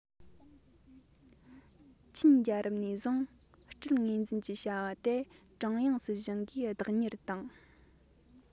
ཆིན རྒྱལ རབས ནས བཟུང ཡང སྤྲུལ ངོས འཛིན གྱི བྱ བ དེ ཀྲུང དབྱང སྲིད གཞུང གིས བདག གཉེར དང